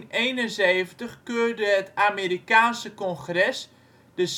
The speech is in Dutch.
1871 keurde het Amerikaanse Congres de